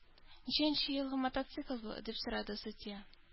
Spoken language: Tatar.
Ничәнче елгы мотоцикл бу? – дип сорады судья.